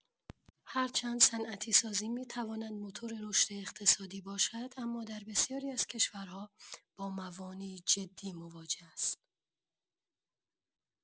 هرچند صنعتی‌سازی می‌تواند موتور رشد اقتصادی باشد، اما در بسیاری از کشورها با موانعی جدی مواجه است.